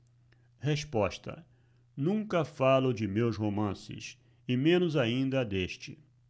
resposta nunca falo de meus romances e menos ainda deste